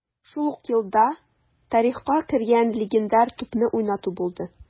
Шул ук елда тарихка кергән легендар тупны уйнату булды: